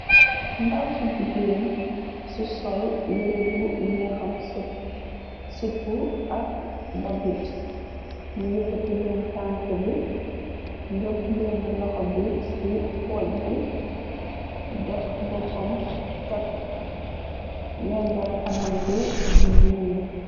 Ndaw ci jigéen ci sol yeréebu ñeexam sipu ak daggit ni yekkati benn tank bi ngep benn loxo bi ci pooj bi def boppam tekk wengal kanam bi bu nyuul.